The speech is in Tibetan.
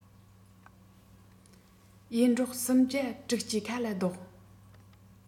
ཡེ འབྲོག སུམ བརྒྱ དྲུག ཅུའི ཁ ལ བཟློག